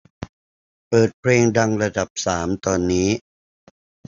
เปิดเพลงดังระดับสามตอนนี้